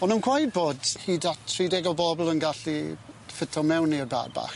o' nw'n gweud bod hyd at tri deg o bobol yn gallu ffito mewn i'r bad bach.